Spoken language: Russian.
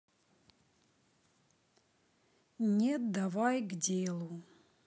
нет давай к делу